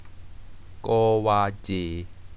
โกวาจี